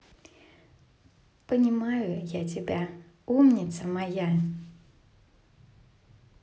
понимаю я тебя умница моя